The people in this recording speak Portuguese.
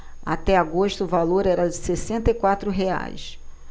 até agosto o valor era de sessenta e quatro reais